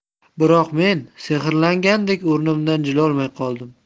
biroq men sehrlangandek o'rnimdan jilolmay qoldim